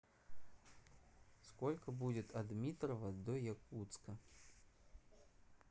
сколько будет от дмитрова до якутска